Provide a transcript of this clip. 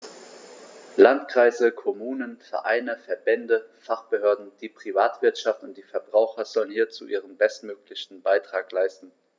Landkreise, Kommunen, Vereine, Verbände, Fachbehörden, die Privatwirtschaft und die Verbraucher sollen hierzu ihren bestmöglichen Beitrag leisten.